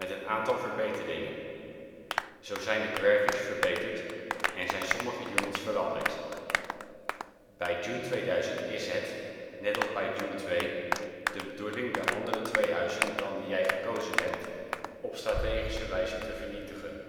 een aantal verbeteringen. Zo zijn de graphics verbeterd en zijn sommige units veranderd. Bij Dune 2000 is het, net als bij Dune 2, de bedoeling de andere twee huizen dan die jij hebt gekozen op strategische wijze te vernietigen